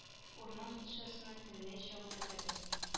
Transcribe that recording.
Урман кулчасын тенләй чабып бетердек